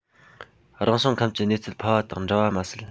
རང བྱུང ཁམས ཀྱི གནས ཚུལ ཕལ བ དང འདྲ བ མ ཟད